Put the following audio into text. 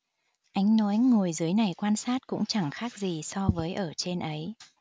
ánh nói ngồi dưới này quan sát cũng chẳng khác gì so với ở trên ấy